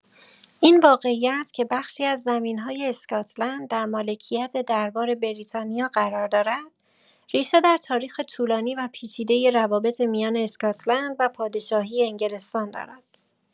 این واقعیت که بخشی از زمین‌های اسکاتلند در مالکیت دربار بریتانیا قرار دارد، ریشه در تاریخ طولانی و پیچیده روابط میان اسکاتلند و پادشاهی انگلستان دارد.